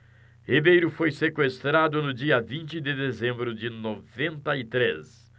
ribeiro foi sequestrado no dia vinte de dezembro de noventa e três